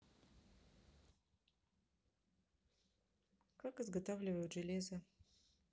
как изготавливают железо